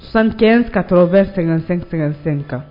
Sanɛn ka t bɛ sɛgɛn- sɛgɛnsɛn kan